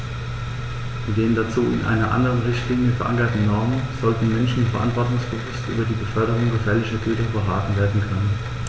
Mit den dazu in einer anderen Richtlinie, verankerten Normen sollten Menschen verantwortungsbewusst über die Beförderung gefährlicher Güter beraten werden können.